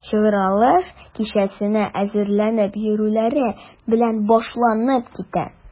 Чыгарылыш кичәсенә әзерләнеп йөрүләре белән башланып китә.